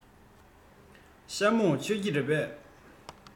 ཤ མོག མཆོད ཀྱི རེད པས